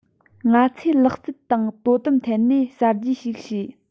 ང ཚོས ལག རྩལ དང དོ དམ ཐད ནས གསར བརྗེ ཞིག བྱས